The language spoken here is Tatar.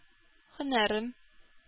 Һөнәрем